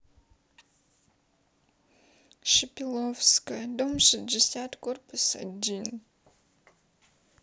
шипиловская дом шестьдесят корпус один